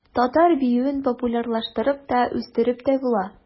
Татар биюен популярлаштырып та, үстереп тә була.